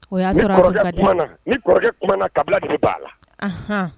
ni kɔrɔkɛ kuma na kabila de bɛ ban a la.